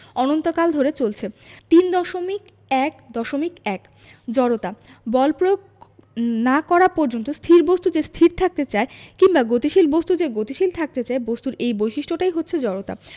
অনন্তকাল ধরে চলছে ৩.১.১ জড়তা বল প্রয়োগ না করা পর্যন্ত স্থির বস্তু যে স্থির থাকতে চায় কিংবা গতিশীল বস্তু যে গতিশীল থাকতে চায় বস্তুর এই বৈশিষ্ট্যটাই হচ্ছে জড়তা